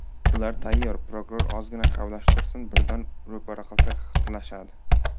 ular tayyor prokuror ozgina kavlashtirsin birdan ro'para qilsak xitlashadi